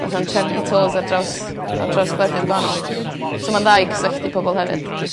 Fatha'n trefnu tours ar draws ar draws gwledydd gwanol. So ma'n ddai i cysylltu pobol hefyd.